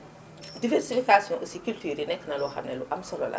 diversification aussi cultures yi nekk na loo xamante ni lu am solo la